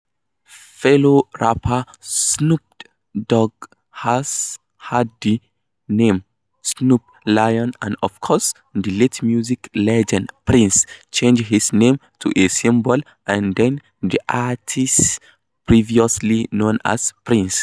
Fellow rapper, Snoop Dogg has had the name Snoop Lion and of course the late music legend Prince, changed his name to a symbol and then the artist previously known as Prince.